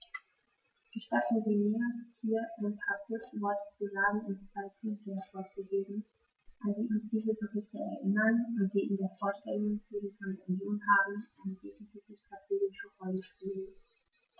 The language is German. Gestatten Sie mir, hier ein paar kurze Worte zu sagen, um zwei Punkte hervorzuheben, an die uns diese Berichte erinnern und die in der Vorstellung, die wir von der Union haben, eine wesentliche strategische Rolle spielen.